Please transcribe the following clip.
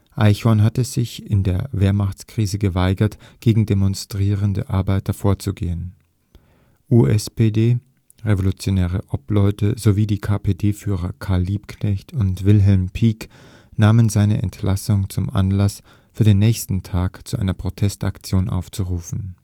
Eichhorn hatte sich in der Weihnachtskrise geweigert, gegen demonstrierende Arbeiter vorzugehen. USPD, Revolutionäre Obleute sowie die KPD-Führer Karl Liebknecht und Wilhelm Pieck nahmen seine Entlassung zum Anlass, für den nächsten Tag zu einer Protestaktion aufzurufen